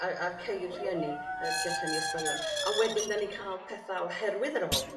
A a ceir rhieni y tu allan i ysgolion. A wedyn 'dan ni'n ca'l petha oherwydd yr ofn